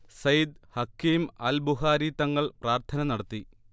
സെയ്ദ് ഹഖീം അൽ ബുഹാരി തങ്ങൾ പ്രാർത്ഥന നടത്തി